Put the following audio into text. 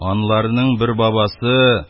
— анларның бер бабасы,